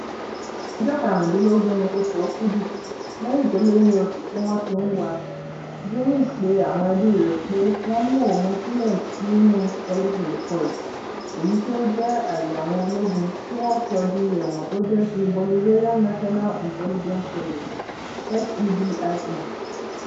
Ní ọjọ́ 15, oṣù okúdù, lẹ́yìn tó lé ní oṣù tí wọ́n ti ń wa, Jaimes pe àwọn ẹbí rẹ̀ pé wọ́n mú ohun silẹ̀ sínu El Helicoide, èyí tó jẹ́ àyè àwọn ológun tí wọ́n sọ di ẹ̀wọ̀n tó jẹ́ ti Bolivarian National Intelligence Service (SEBIN).